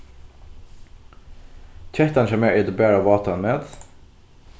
kettan hjá mær etur bara vátan mat